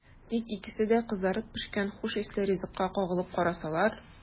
Тик икесе дә кызарып пешкән хуш исле ризыкка кагылып карасалар!